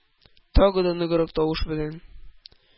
Тагы да ныграк тавыш белән: